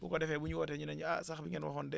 bu ko defee bu ñu wootee ñu ne ñu ah sax bi ngeen waxoon de